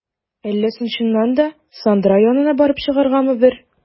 Әллә соң чыннан да, Сандра янына барып чыгаргамы бер?